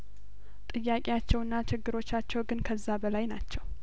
ጥያቄ ያቸውና ችግሮቻቸው ግን ከዛ በላይ ናቸው